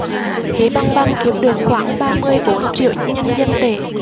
lý băng băng kiếm được khoảng ba mươi bốn triệu nhân dân tệ